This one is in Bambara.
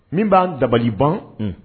Min b'aan dabali ban